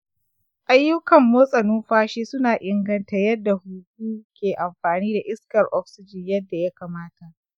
ayyukan motsa numfashi suna inganta yadda huhu ke amfani da iskar oxygen yadda ya kamata.